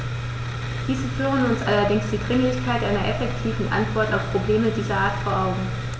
Diese führen uns allerdings die Dringlichkeit einer effektiven Antwort auf Probleme dieser Art vor Augen.